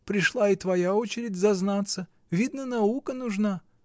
Пришла и твоя очередь зазнаться: видно, наука нужна.